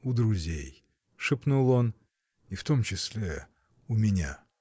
— У друзей, — шепнул он, — и в том числе. у меня.